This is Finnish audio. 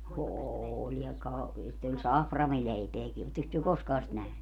oli ja - sitten oli saframileipääkin olettekos te koskaan sitä nähnyt